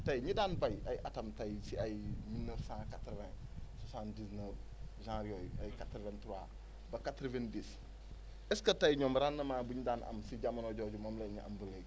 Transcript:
tey ñi daan béy ay atam tey ci ay mille neuf cent quatre vingt soixante dix neuf genre yooyu ay quatre vingt trois ba quatre vingt dix est ce que tey rendement bi ñu daan am si jamono boobu moom la ñuy am ba léegi